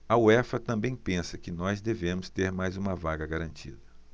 a uefa também pensa que nós devemos ter mais uma vaga garantida